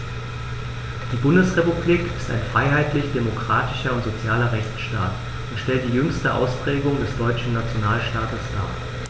Die Bundesrepublik ist ein freiheitlich-demokratischer und sozialer Rechtsstaat und stellt die jüngste Ausprägung des deutschen Nationalstaates dar.